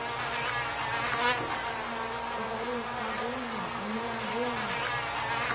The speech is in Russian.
поварешка агония у меня агония